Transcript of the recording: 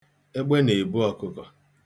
Egbe na-ebu ọkụkọ.